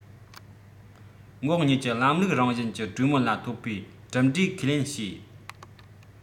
ངོགས གཉིས ཀྱི ལམ ལུགས རང བཞིན གྱི གྲོས མོལ ལ ཐོབ པའི གྲུབ འབྲས ཁས ལེན བྱས